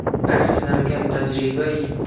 bir sinalgan tajriba